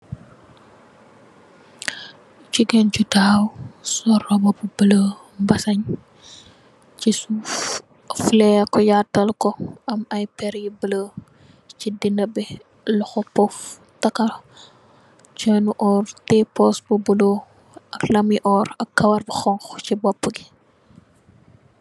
Gigain ju takhaw sol rohba bu bleu mbazin, chi suff flehyarr kor, yaatal kor, am aiiy pehrre yu bleu chi dehnah bii, lu kor puff takah chainu ohrre, tiyeh porse bu bleu ak lahmi ohrre, ak karaw bu honhu chi bopah bi.